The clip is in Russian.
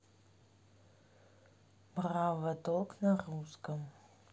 браво толк на русском